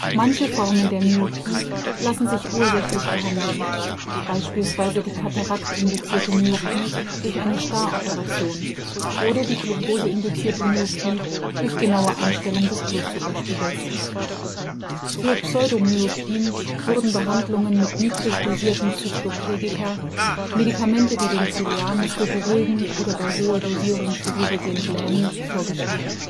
Manche Formen der Myopie lassen sich ursächlich behandeln, beispielsweise die Katarakt-induzierte Myopie durch eine Star-Operation oder die Glucose-induzierte Myopie durch genaue Einstellung des Blutzuckerspiegels. Für Pseudomyopien wurden Behandlungen mit niedrigdosierten Cycloplegica, Medikamente, die den Ziliarmuskel beruhigen oder bei hoher Dosierung vorübergehend lähmen, vorgeschlagen